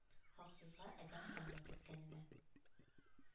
Хаксызга адәм каны түккәнемә!